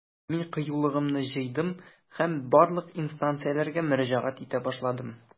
Мин кыюлыгымны җыйдым һәм барлык инстанцияләргә мөрәҗәгать итә башладым.